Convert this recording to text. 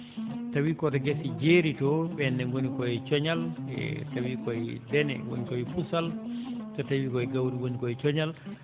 so tawii koto gese jeeri too ɓeen ne ngoni koye coñal e so tawii koye deene woni koye cuusal so tawii koye gawri woni koye coñal